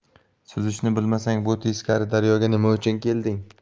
suzishni bilmasang bu teskari daryoga nima uchun kelding